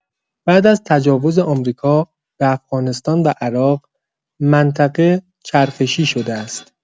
بعد از تجاوز آمریکا به افغانستان و عراق، منطقه چرخشی شده است.